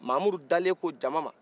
mahamudu dalen ko jama ma